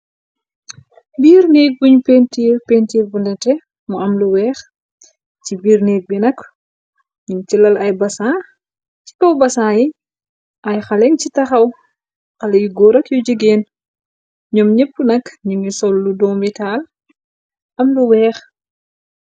Biir néeg buñu péntiir péntiir bu nete mu am lu weex ci biir nég bi nak nim ci lal ay basaax ci kaw basaan yi ay xalen ci taxaw xale yu góorak yu jégeen ñoom ñépp nak ningi sol lu doomitaal am lu weex.